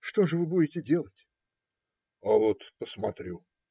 - Что же вы будете делать? - А вот посмотрю.